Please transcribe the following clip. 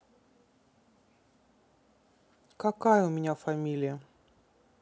какая у меня фамилия